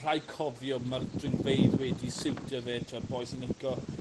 rhai' cofio ma'r dringfeydd wedi siwtio fe t'wod boi sy'n lico